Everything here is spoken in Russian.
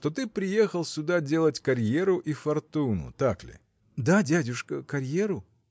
что ты приехал сюда делать карьеру и фортуну – так ли? – Да, дядюшка, карьеру.